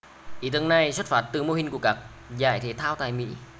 ý tưởng này xuất phát từ mô hình của các giải thể thao tại mỹ